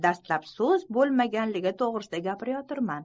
dastlab soz bolmaganligi togrisida gapirayotirman